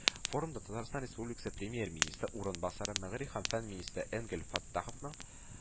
Форумда Татарстан Республикасы Премьер-министры урынбасары – мәгариф һәм фән министры Энгель Фәттаховның